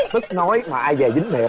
tức nói mà ai dè dính thiệt